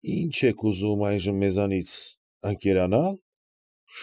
Ի՞նչ եք ուզում այժմ մեզանից։ Ընկերանա՞լ։